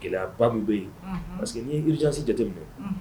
Gɛlɛyaba min bɛ yen parceseke n'i kiirijansi jate na